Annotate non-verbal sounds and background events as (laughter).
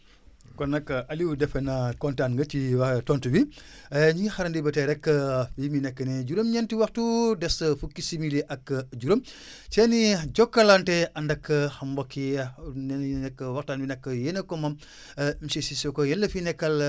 (breath) kon nag Aliou defe naa kontaan nga ci waa tontu bi (breath) (hesitation) ñi ngi xaarandi ba tey rek (hesitation) li mu nekk nii juróom-ñeenti waxtu (hesitation) des fukki simili ak juróom (breath) seen i jokkalante ànd ak mbokk yi nee nañu nag waxtaan bi nag yéen a ko moom (breath) monsieur Cissokho yéen la fi nekkal